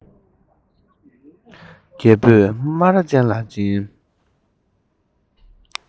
རྒད པོ སྨ ར ཅན ལ བྱིན